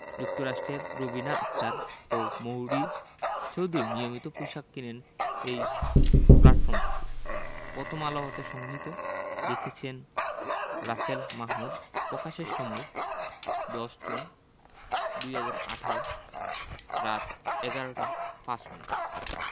যুক্তরাষ্ট্রের রুবিনা আক্তার ও মৌরি চৌধুরী নিয়মিত পোশাক কেনেন এই প্ল্যাটফর্ম থেকে পথমআলো হতে সংগৃহীত লিখেছেন রাসেল মাহ্ মুদ প্রকাশের সময় ১০ জুন ২০১৮ রাত ১১টা ৫ মিনিট